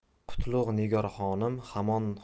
qutlug' nigor xonim